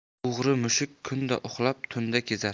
o'g'ri mushuk kunda uxlab tunda kezar